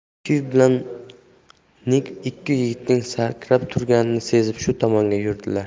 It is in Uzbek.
kiv bilan nig ikki yigitning sakrab turganini sezib shu tomonga yurdilar